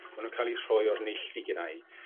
ma' nw'n ca'l 'u rhoi o'r neilltu genna' i.